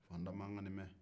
fantan man kan ka nin mɛn